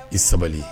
I sabali